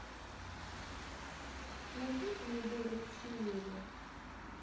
найди помидоры черри